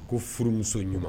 A ko furumuso ɲuman